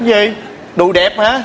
gì đùi đẹp hả